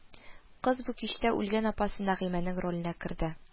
Кыз бу кичтә үлгән апасы Нәгыймәнең роленә керде